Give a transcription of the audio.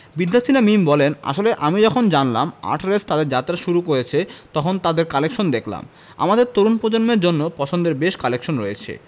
বিদ্যা সিনহা মিম বলেন আসলে আমি যখন জানলাম আর্টরেস তাদের যাত্রা শুরু করেছে তখন তাদের কালেকশান দেখলাম আমাদের তরুণ প্রজন্মের জন্য পছন্দের বেশ কালেকশন রয়েছে